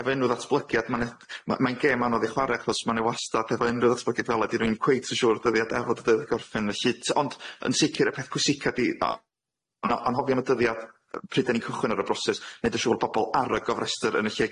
a- efo unryw ddatblygiad ma' ne- ma' ma'n gêm anodd i chwar'e achos ma' new wastad efo unryw ddatblygiad fel ydi rwy'n cweit yn siŵr dyddiad erod y dydd gorffen felly t- ond yn sicir y peth pwysica di a- na anhofion y dyddiad yy pryd y'n ni'n cychwyn ar y broses neud yn siŵr bobol ar y gofrestyr yn y lle